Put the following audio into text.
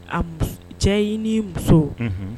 A cɛɲini ni muso